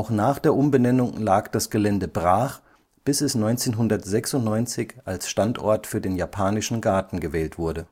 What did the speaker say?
nach der Umbenennung lag das Gelände brach, bis es 1996 als Standort für den Japanischen Garten gewählt wurde